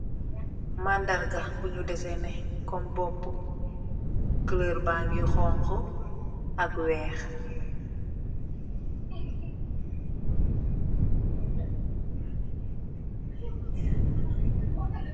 Mandarga bunu dèsènè kom boppu kuloor ba ngi honku ak weeh.